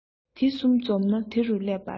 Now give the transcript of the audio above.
དེ གསུམ འཛོམས ན དེ རུ སླེབས པ རེད